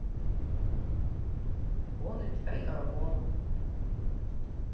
hon er tvey ára gomul